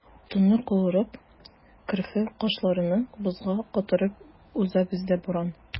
Тынны куырып, керфек-кашларыңны бозга катырып уза бездә буран.